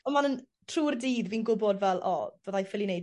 On' ma'n yn trw'r dydd fi'n gwbod fel o fyddai ffili neud